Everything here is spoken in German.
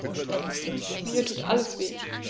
Mir tut alles weh.